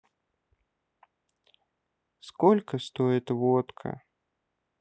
сколько стоит водка